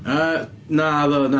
Yy, naddo na.